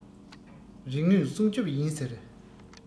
རིག དངོས སྲུང སྐྱོབ ཡིན ཟེར